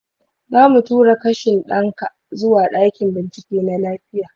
zamu tura kashin ɗanka zuwa ɗakin bincike na lafiya